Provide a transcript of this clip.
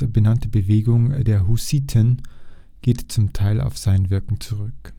benannte Bewegung der Hussiten geht zum Teil auf sein Wirken zurück